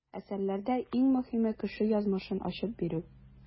Әсәрләрдә иң мөһиме - кеше язмышын ачып бирү.